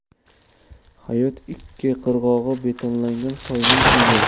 hayot ikki qirg'og'i betonlangan soyning o'zi